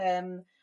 Yym.